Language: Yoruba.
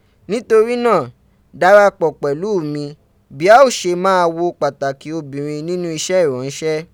Nitorina, darapo pelu mi bi a o se maa wo Pataki obinrin ninu ise iranse.